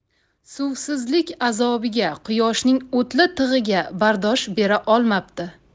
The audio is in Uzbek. suvsizlik azobiga quyoshning o'tli tig'iga bardosh bera olmabdi